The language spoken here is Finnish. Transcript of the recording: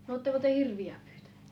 no oletteko te hirviä pyytänyt